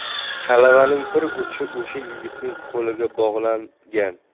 kalavaning bir uchi o'sha yigitning qo'liga bog'langan